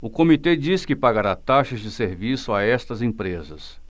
o comitê diz que pagará taxas de serviço a estas empresas